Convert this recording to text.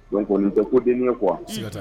Donc nin tɛ ko deni ye quoi